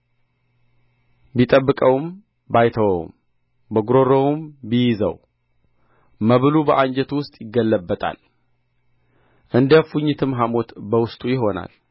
ቢጠብቀውም ባይተወውም በጕሮሮውም ቢይዘው መብሉ በአንጀቱ ውስጥ ይገላበጣል እንደ እፉኝትም ሐሞት በውስጡ ይሆናል